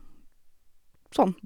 Sånn...